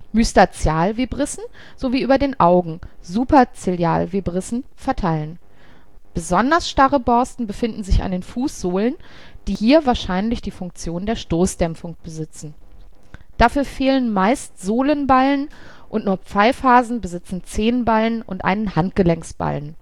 Mystacialvibrissen) sowie über den Augen (Supercilliarvibrissen) verteilen. Besonders starre Borsten befinden sich an den Fußsohlen, die hier wahrscheinlich die Funktion der Stossdämpfung besitzen. Dafür fehlen meist Sohlenballen und nur Pfeifhasen besitzen Zehenballen und einen Handgelenksballen